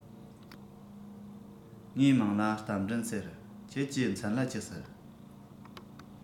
ངའི མིང ལ རྟ མགྲིན ཟེར ཁྱེད ཀྱི མཚན ལ ཅི ཟེར